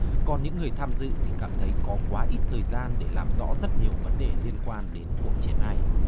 còn những người tham dự thì cảm thấy có quá ít thời gian để làm rõ rất nhiều vấn đề liên quan đến cuộc chiến này